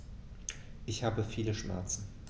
Ich habe viele Schmerzen.